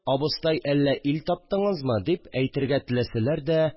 «абыстай, әллә ил таптыңызмы?» – дип әйтергә теләсәләр дә